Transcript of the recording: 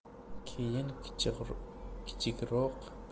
keyin kichikroq paqirga